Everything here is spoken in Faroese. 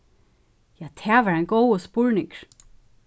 ja tað var ein góður spurningur